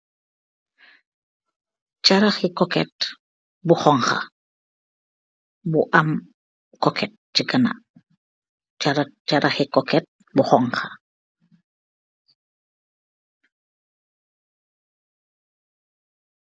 charahyi koket bu houg ka.